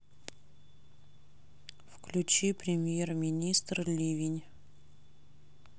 включи премьер министр ливень